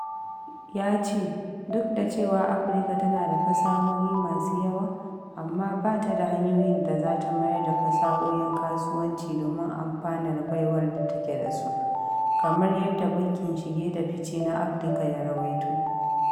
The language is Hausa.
Ya ce, duk da cewa Afirka tana da fasahohi masu yawa, amma ba ta da hanyoyin da za ta mayar da fasahohin kasuwanci domin amfanar baiwar da take da su, kamar yadda Bankin Shige da Fice na Afirka ya rawaito.